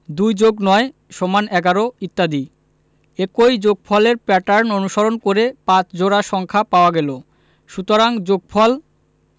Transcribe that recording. ২+৯=১১ ইত্যাদি একই যোগফলের প্যাটার্ন অনুসরণ করে ৫ জোড়া সংখ্যা পাওয়া গেল সুতরাং যোগফল